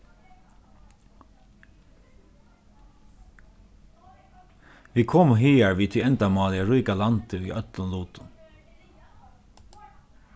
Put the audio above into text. vit komu higar við tí endamáli at ríka landið í øllum lutum